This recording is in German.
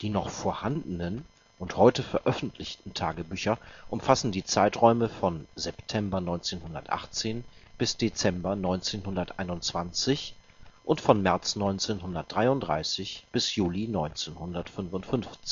noch vorhandenen und heute veröffentlichten Tagebücher umfassen die Zeiträume von September 1918 bis Dezember 1921 und von März 1933 bis Juli 1955